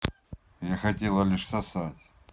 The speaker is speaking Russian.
я хотела лишь сосать